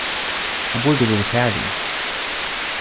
hann burdi verið farin